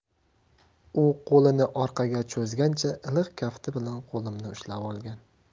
u qo'lini orqaga cho'zgancha iliq kafti bilan qo'limni ushlab olgan